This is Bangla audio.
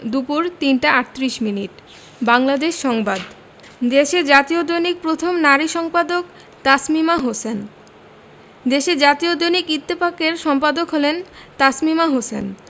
দুপুর ৩টা ৩৮ মিনিট বাংলাদেশ সংবাদ দেশের জাতীয় দৈনিক প্রথম নারী সম্পাদক তাসমিমা হোসেন দেশের জাতীয় দৈনিক ইত্তেফাকের সম্পাদক হলেন তাসমিমা হোসেন